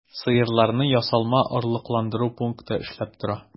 Сыерларны ясалма орлыкландыру пункты эшләп тора.